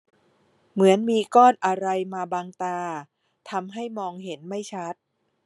เหมือนมีก้อนอะไรมาบังตาทำให้มองเห็นไม่ชัด